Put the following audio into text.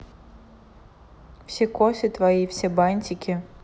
все косы твои все бантики